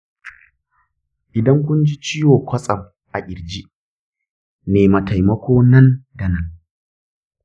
idan kun ji ciwo kwatsam a kirji, nema taimako nan da nan.